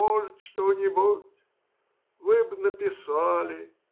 - Может, что-нибудь. Вы бы написали.